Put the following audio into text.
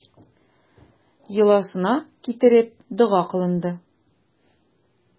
Йоласына китереп, дога кылынды.